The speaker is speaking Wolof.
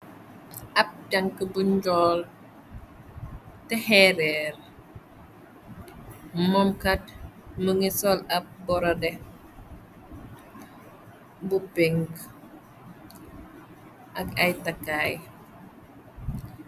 Ab jànka bu njool te xeereer moomkat mu ngi sol ab borode bu ping ak ay takkaay.